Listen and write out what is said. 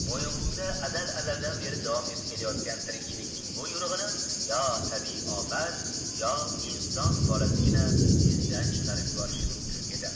mo'yinqumda azal azaldan beri davom etib kelayotgan tirikchilikning bu yo'rig'ini yo tabiiy ofat va yo inson bolasigina izdan chiqarib yuborishi mumkin edi